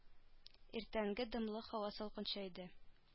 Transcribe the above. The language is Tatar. Иртәнге дымлы һава салкынча иде